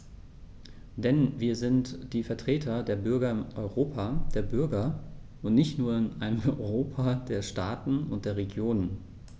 Denn wir sind die Vertreter der Bürger im Europa der Bürger und nicht nur in einem Europa der Staaten und der Regionen.